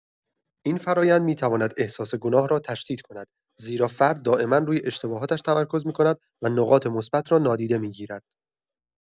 این فرآیند می‌تواند احساس گناه را تشدید کند، زیرا فرد دائما روی اشتباهاتش تمرکز می‌کند و نقاط مثبت را نادیده می‌گیرد.